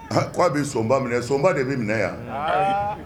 A k ko'a bɛ sonba minɛ sonba de bɛ minɛ yan